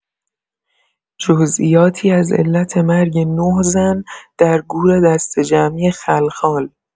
جزئیاتی از علت مرگ ۹ زن در گور دسته‌جمعی خلخال.